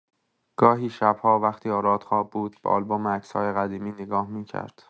گاهی شب‌ها، وقتی آراد خواب بود، به آلبوم عکس‌های قدیمی نگاه می‌کرد.